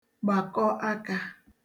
gbàkọ akā